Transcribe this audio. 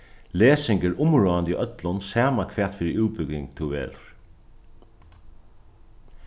lesing er umráðandi í øllum sama hvat fyri útbúgving tú velur